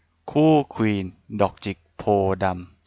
คู่ควีนดอกจิกโพธิ์ดำ